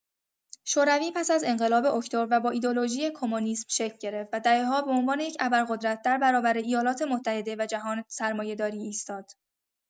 شوروی پس از انقلاب اکتبر و با ایدئولوژی کمونیسم شکل گرفت و دهه‌ها به عنوان یک ابرقدرت در برابر ایالات‌متحده و جهان سرمایه‌داری ایستاد.